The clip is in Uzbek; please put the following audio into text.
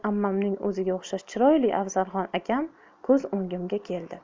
ammamning o'ziga o'xshash chiroyli afzalxon akam ko'z o'ngimga keldi